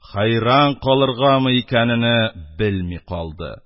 Хәйран калыргамы икәнене белми калды.